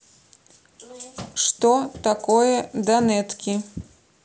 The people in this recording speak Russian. что такое данетки